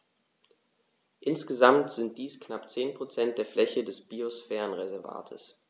Insgesamt sind dies knapp 10 % der Fläche des Biosphärenreservates.